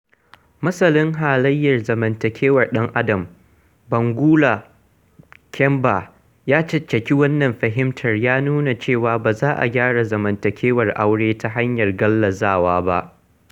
Masanin halayyar zamantakewar ɗan'adam, Mbangula Kemba ya caccaki wannan fahimtar ya nuna cewa ba za a gyara zamantakewar aure ta hanyar gallazawa ba.